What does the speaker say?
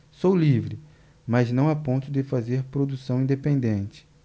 sou livre mas não a ponto de fazer produção independente